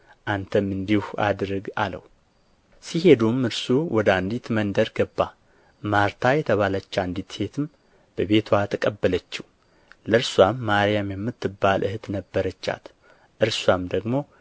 አንተም እንዲሁ አድርግ አለው ሲሄዱም እርሱ ወደ አንዲት መንደር ገባ ማርታ የተባለች አንዲት ሴትም በቤትዋ ተቀበለችው ለእርስዋም ማርያም የምትባል እኅት ነበረቻት እርስዋም ደግሞ